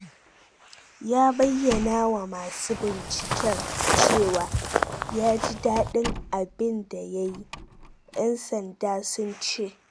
Ya bayyana wa masu binciken cewa ya ji daɗin abin da ya yi, 'yan sanda sun ce.